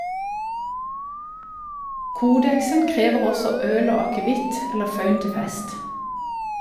Codex'en krever også øl og akevitt eller faun til fest.